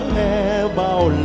nghe bao